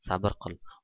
sabr qil